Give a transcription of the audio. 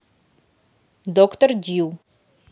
доктор дью